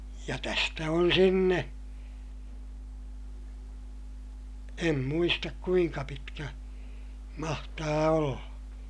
ja tästä on sinne en muista kuinka pitkä mahtaa olla